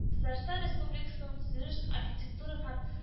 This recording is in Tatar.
Татарстан Республикасының Төзелеш, архитектура һәм